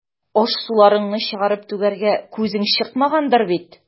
Аш-суларыңны чыгарып түгәргә күзең чыкмагандыр бит.